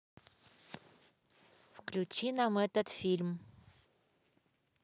включи нам этот фильм